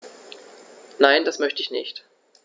Nein, das möchte ich nicht.